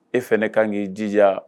E fɛnɛ kaan ŋ'i jijaa